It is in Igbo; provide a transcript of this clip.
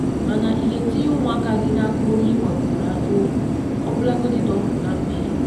“Mana ị ga-etinye ụmụaka gị n’aka onye ị gwagoro ajọ okwu, ọbụlagodi na ọ bụ na mmehie?